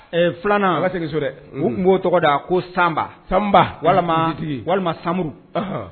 Ɛɛ filanan segin so dɛ tun b'o tɔgɔ da ko sanba sanba walima walima samuru